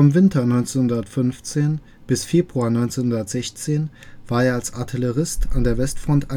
Winter 1915 bis Frühjahr 1916 war er als Artillerist an der Westfront eingesetzt